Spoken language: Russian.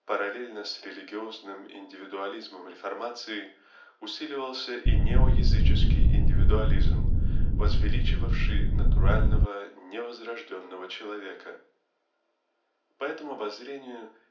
Параллельно с религиозным индивидуализмом реформации усиливался и неоязыческий индивидуализм возвеличивавший натурального невозрожденного человека. По этому воззрению